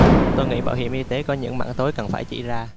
tôi nghĩ bảo hiểm y tế có những mảng tối cần phải chỉ ra